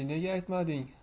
nega aytmading